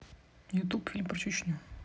ютуб фильм про чечню